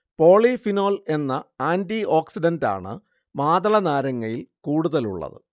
polyphenol എന്ന ആന്റിഓക്സിഡന്റാണ് മാതളനാരങ്ങയിൽ കൂടുതലുള്ളത്